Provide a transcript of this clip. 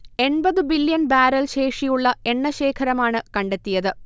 എൺപതു billion barrel ശേഷിയുള്ള എണ്ണശേഖരമാണ് കണ്ടെത്തിയത്